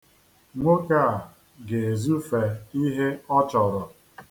Nwoke a ga-ezufe ihe ọ chọrọ.